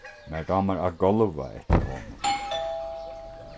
mær dámar at gálva eftir honum